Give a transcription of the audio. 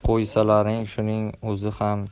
qo'ysalaring shuning o'zi